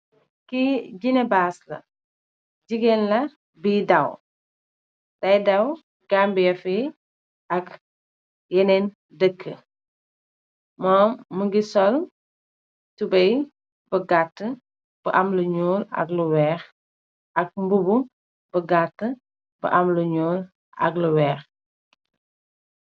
Ki Gina Bass, gigeen la buy daw. Day daw Gambia fi ak yenen dëk. Mom mugii sol tubay bu gatta bu am lu ñuul ak lu wèèx, ak mbubu bu gatta bu am lu ñuul ak lu wèèx.